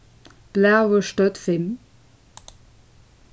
blæur stødd fimm